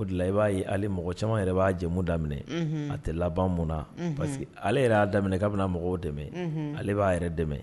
O de la i ba ye mɔgɔ caman yɛrɛ ba jɛmu daminɛ a tɛ laban mun na? .parceque Ale yɛrɛ ya daminɛ ka bi na mɔgɔw dɛmɛ ale ba yɛrɛ dɛmɛ